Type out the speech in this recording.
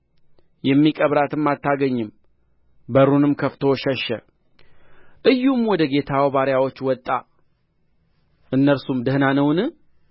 የሚቀብራትም አታገኝም በሩንም ከፍቶ ሸሸ ኢዩም ወደ ጌታው ባሪያዎች ወጣ እነርሱም ደኅና ነውን